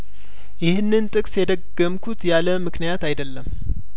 ይህንን ጥቅስ የደገምሁት ያለ ምክንያት አይደለም